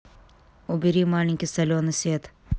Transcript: убери маленький соленый сет